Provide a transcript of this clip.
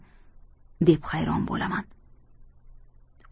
deb hayron bo'laman